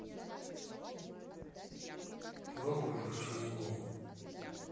про увеличение